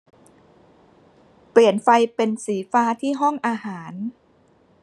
เปลี่ยนไฟเป็นสีฟ้าที่ห้องอาหาร